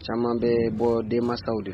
Caman bɛ bɔ denmansaw de